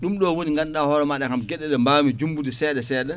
ɗum ɗo woni ganduɗa hoore maɗa kam gueɗe ɗe mbawmi jumbude seeɗa seeɗa